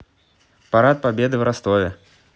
парад победы в ростове